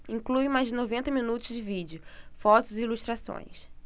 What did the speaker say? inclui mais de noventa minutos de vídeo fotos e ilustrações